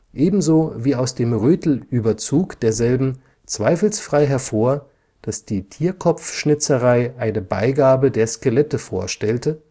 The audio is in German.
ebenso wie aus dem Rötelüberzug derselben zweifelsfrei hervor, daß die Tierkopfschnitzerei eine Beigabe der Skelette vorstellte